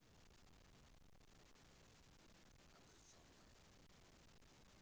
обреченная